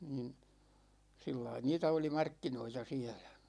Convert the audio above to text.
niin sillä lailla niitä oli markkinoita siellä